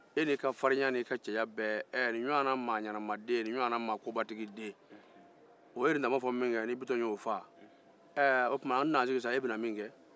e ni ka farinya bɛe nin ɲɔgɔnna maɲɛnaden ni ɲɔgɔnna kobatigiden o ye nin dama fɔ ni biɔn y'o faa an tɛna ye sa n'e bɛna min kɛ